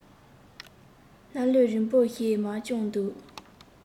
སྣ ལུད རིད པོ ཞིག མར བཅངས འདུག